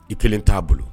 I kelen t'a bolo